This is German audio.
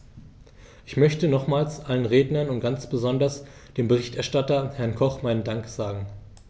Ich möchte nochmals allen Rednern und ganz besonders dem Berichterstatter, Herrn Koch, meinen Dank sagen.